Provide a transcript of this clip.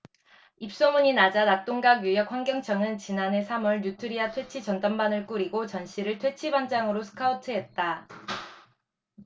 입소문이 나자 낙동강유역환경청은 지난해 삼 월 뉴트리아 퇴치전담반을 꾸리고 전씨를 퇴치반장으로 스카우트했다